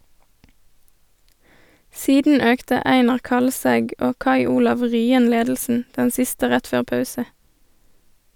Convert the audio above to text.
Siden økte Einar Kalsæg og Kai Olav Ryen ledelsen, den siste rett før pause.